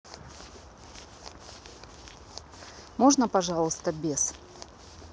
можно пожалуйста без